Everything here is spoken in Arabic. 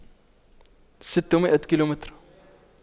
ستمئة كيلومتر